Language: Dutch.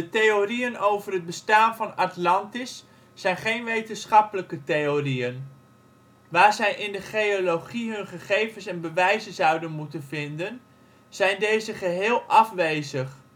theorieën over het bestaan van Atlantis zijn geen wetenschappelijke theorieën. Waar zij in de geologie hun gegevens en bewijzen zouden moeten vinden, zijn deze geheel afwezig. Slechts